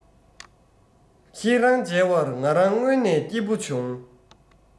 ཁྱེད རང འཇལ བར ང རང སྔོན ནས སྐྱིད པོ བྱུང